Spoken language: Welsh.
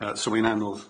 Yy so mae'n anodd.